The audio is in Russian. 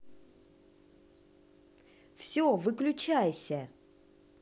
все выключайся